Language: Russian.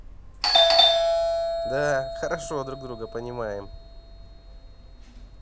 да хорошо друг друга понимаем